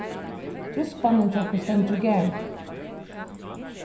ruskspannin hjá okkum stendur í garðinum